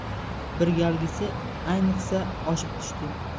bir galgisi ayniqsa oshib tushdi